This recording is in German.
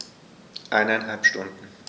Eineinhalb Stunden